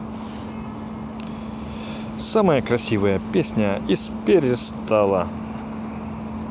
самая красивая песня из перестала